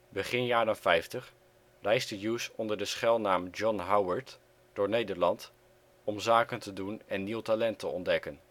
Begin jaren vijftig reisde Hughes onder de schuilnaam John Howard door Nederland om zaken te doen en nieuw talent te ontdekken